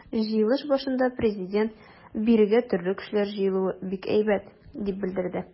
Җыелыш башында Президент: “Бирегә төрле кешеләр җыелуы бик әйбәт", - дип белдерде.